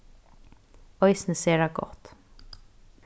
eisini sera gott